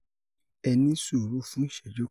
Ẹ ní sùúrù fún ìṣẹ́ju kan